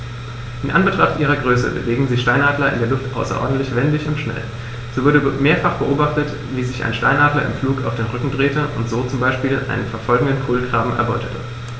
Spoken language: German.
In Anbetracht ihrer Größe bewegen sich Steinadler in der Luft außerordentlich wendig und schnell, so wurde mehrfach beobachtet, wie sich ein Steinadler im Flug auf den Rücken drehte und so zum Beispiel einen verfolgenden Kolkraben erbeutete.